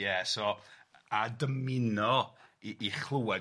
Ia so a dymuno i i chlywed,